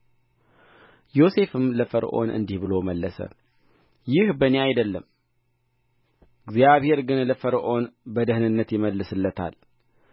ዮሴፍም ለፈርዖን እንዲህ ብሎ መለሰ ይህ በእኔ አይደለም እግዚአብሔር ግን ለፈርዖን በደኅንነት ይመልስለታል